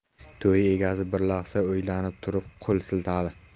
to'y egasi bir lahza o'ylanib turib qo'l siltadi